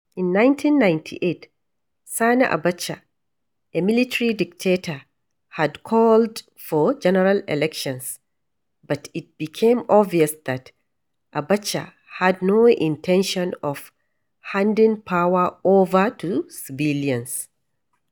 In 1998, Sani Abacha, a military dictator, had called for general elections but it became obvious that Abacha had no intention of handing power over to civilians.